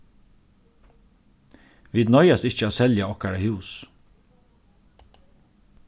vit noyðast ikki at selja okkara hús